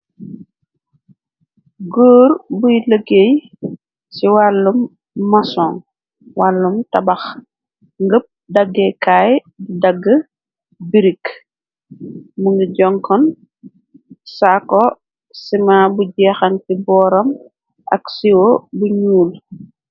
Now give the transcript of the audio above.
Gore buy lëggéey ci wàllum mason wàllum tabax ngëpp daggeekaay di dagg birk mu ngi jonkon saako sima bu jeexanti booram ak siiwo bu ñuul.